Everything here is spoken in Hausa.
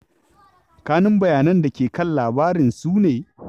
Kanun bayanan da ke kan labarin su ne